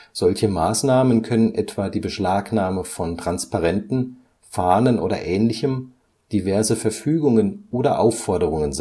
Solche Maßnahmen können etwa die Beschlagnahme von Transparenten, Fahnen oder ähnlichem, diverse Verfügungen oder Aufforderungen